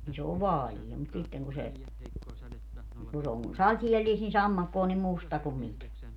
niin se on vaalea mutta sitten kun se kun se on sateellista niin sammakko on niin musta kuin mikä